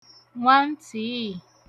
nwantịị